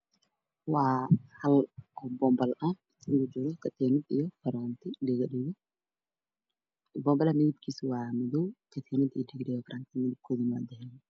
Waa hal boonbalo waxaa kujiro katiin iyo faraanti iyo dhagodhago. Boonbaluhu waa madow katiinad iyo dhaguhu kalarkeedu waa dahabi.